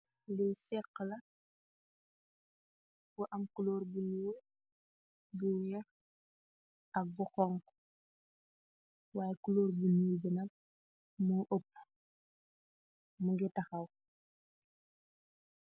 Li seex ka laah bu em color bu nul , ak bu weex , ak bu honha wai culoor bu nul bi nak moo opuh mukeh tahaw.